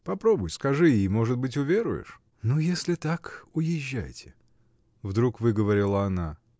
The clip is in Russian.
— Попробуй, скажи — и, может быть, уверуешь. — Ну, если так, уезжайте! — вдруг выговорила она.